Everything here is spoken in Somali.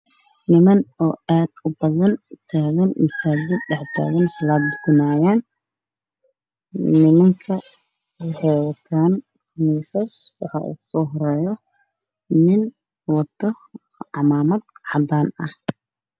Niman oo aad u badan taagan misaajid dhex taagan salaad tukanaayaan nimanka waxay wataa qamiisas waxaa ugu soo horeeyo nin wato cimaamad cadaan ah